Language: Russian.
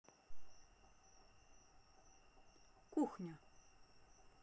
кухня